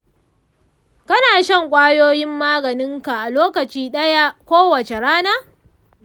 kana shan ƙwayoyin maganin ka a lokaci ɗaya kowace rana?